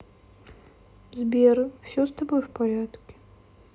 сбер все с тобой в порядке